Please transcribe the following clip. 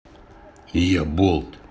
я болт